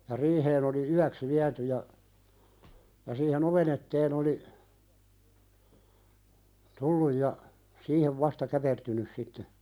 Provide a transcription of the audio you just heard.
ja riiheen oli yöksi viety ja ja siihen oven eteen oli tullut ja siihen vasta käpertynyt sitten